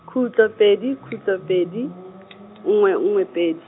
khutlo pedi khutlo pedi, nngwe nngwe pedi.